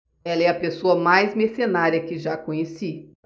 ela é a pessoa mais mercenária que já conheci